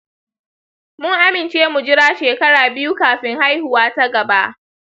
mun amince mu jira shekaru biyu kafin haihuwa ta gaba.